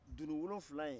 dunun wolonfila ye